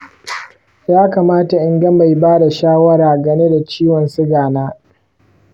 yakamata in ga mai bada shawara gane da ciwon siga na?